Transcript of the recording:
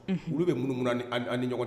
Olu bɛ munumunu ni ni ɲɔgɔn